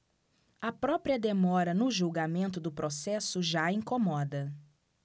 a própria demora no julgamento do processo já incomoda